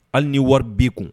Hali ni wari'i kun